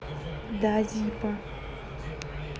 да zippo